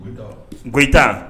Gyita